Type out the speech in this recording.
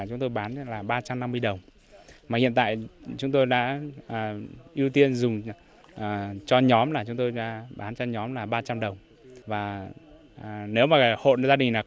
chúng tôi bán là ba trăm năm mươi đồng mà hiện tại chúng tôi đã ưu tiên dùng à cho nhóm là chúng tôi ra bán cho nhóm là ba trăm đồng và nếu mà hộ gia đình